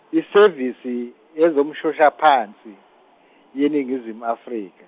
iSevisi yezoMshoshaphansi yeNingizimu Afrik-.